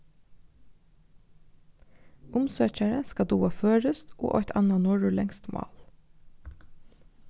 umsøkjari skal duga føroyskt og eitt annað norðurlendskt mál